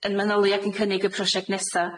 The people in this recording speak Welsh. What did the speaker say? yn manylu ac yn cynnig y prosiect nesa.